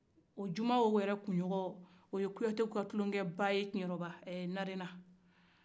o juma o yɛrɛ kunɲɔgɔ o ye kuyatew ka kulɛgɛba narena